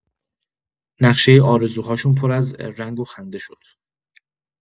نقشۀ آرزوهاشون پر از رنگ و خنده شد.